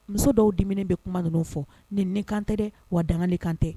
Muso dɔw dumuniinien bɛ kuma ninnu fɔ ni nin kantɛ dɛ wa dangali kan tɛ